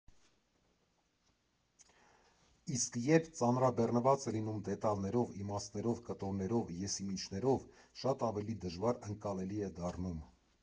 Իսկ երբ ծանրաբեռնված է լինում դետալներով, իմաստներով, կտորներով, եսիմինչերով, շատ ավելի դժվար ընկալելի է դառնում։